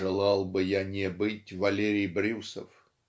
"Желал бы я не быть Валерий Брюсов".